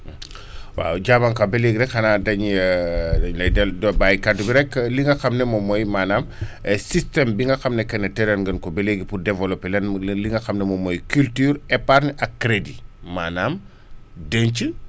waaw Diamanka ba léegi rek xanaa dañuy dañ lay del doo bàyyi kàddu gi rek li nga xam ne moom mooy maanaam système bi nga xam ne que ne tëral ngeen ko ba léegi pour développer lenn li nga xam ne moom mooy culture épargne ak crédit maanaam denc